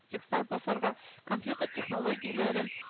Текстлар басарга, компьютер технологияләрен